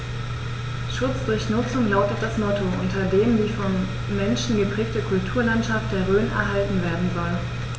„Schutz durch Nutzung“ lautet das Motto, unter dem die vom Menschen geprägte Kulturlandschaft der Rhön erhalten werden soll.